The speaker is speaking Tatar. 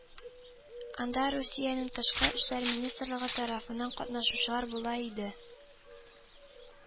Анда Русиянең тышкы эшләр министрлыгы тарафыннан катнашучылар була иде